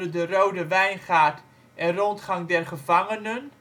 De rode wijngaard en Rondgang der gevangengen